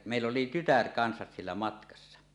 ja meillä oli tytär kanssa siellä matkassa